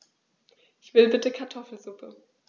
Ich will bitte Kartoffelsuppe.